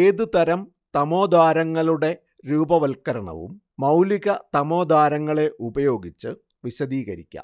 ഏതുതരം തമോദ്വാരങ്ങളുടെ രൂപവത്കരണവും മൗലികതമോദ്വാരങ്ങളെ ഉപയോഗിച്ച് വിശദീകരിക്കാം